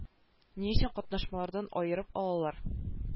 Ни өчен катнашмалардан аерып алалар